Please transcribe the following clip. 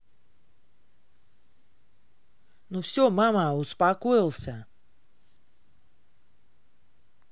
ну все мама успокоился